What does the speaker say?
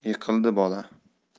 yiqildi bola